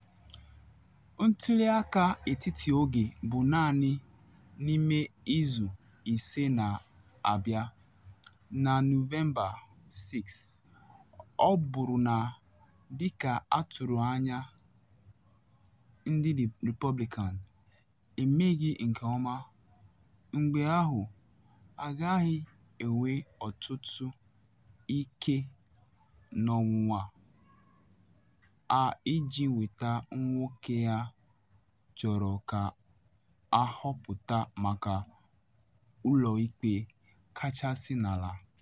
Ntuli aka etiti oge bụ naanị n’ime izu ise na abịa, na Nọvemba 6 - ọ bụrụ na, dị ka atụrụ anya, ndị Repọblikan emeghị nke ọma, mgbe ahụ ha agaghị enwe ọtụtụ ike n’ọnwụnwa ha iji nweta nwoke ha chọrọ ka ahọpụta maka ụlọ ikpe kachasị n’ala.